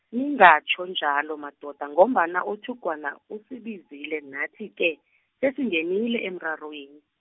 ningatjho njalo madoda ngombana uThugwana usibizile nathi ke, sesingenile emrarweni.